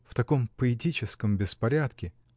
в таком поэтическом беспорядке.